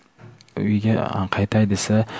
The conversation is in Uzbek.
uyiga qaytay desa